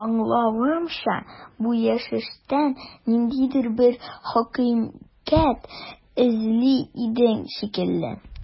Аңлавымча, бу яшәештән ниндидер бер хакыйкать эзли идең шикелле.